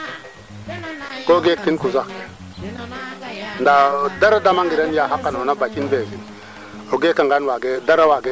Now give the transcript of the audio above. yaam ga'aano xaye marché fu retoona xaye wiin we mbay etatira cikax ax jegee kaa kilo areer a jareer na to kaaga fop o ñako teelo inu yo